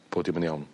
po' dim yn iawn.